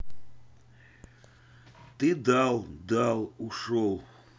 ты дал дал ушел